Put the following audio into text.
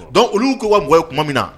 Dɔn olu ka wakɔyɔ tuma min na